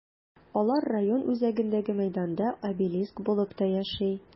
Алар район үзәгендәге мәйданда обелиск булып та яши.